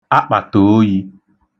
akpàtòoyi